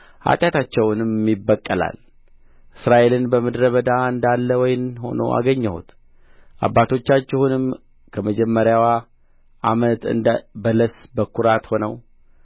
ኃጢአታቸውንም ይበቀላል እስራኤልን በምድረ በዳ እንዳለ ወይን ሆኖ አገኘሁት አባቶቻችሁንም ከመጀመሪያዋ ዓመት እንደ በለስ በኩራት ሆነው